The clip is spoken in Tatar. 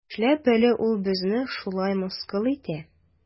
Нишләп әле ул безне шулай мыскыл итә?